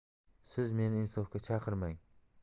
siz meni insofga chaqirmang